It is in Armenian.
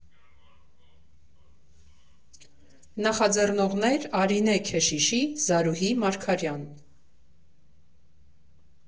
Նախաձեռնողներ՝ Արինե Քեշիշի, Զարուհի Մարգարյան։